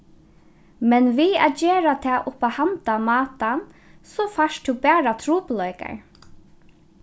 men við at gera tað upp á handan mátan so fært tú bara trupulleikar